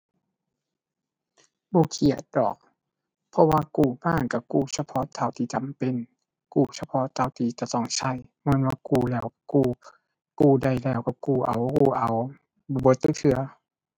บ่เครียดดอก เพราะว่ากู้มานั้นก็กู้เฉพาะเท่าที่จำเป็น กู้เฉพาะเท่าที่จะต้องใช้ บ่แม่นว่ากู้แล้วกู้ กู้ได้แล้วก็กู้เอา กู้เอา บ่เบิดจักเทื่อ